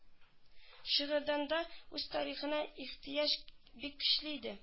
Шыгырданда үз тарихына ихтыяҗ бик көчле иде